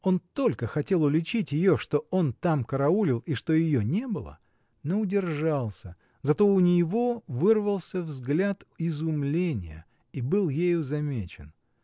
Он только хотел уличить ее, что он там караулил и что ее не было, но удержался, зато у него вырвался взгляд изумления и был ею замечен.